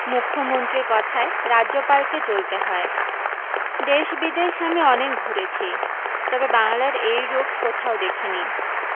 মুখ্যমন্ত্রীর কথায় রাজ্যোপাল কে চলতে হয় দেশ বিদেশ আমি অনেক ঘুরেছি তবে বাংলার এই রূপ কোথাও দেখিনি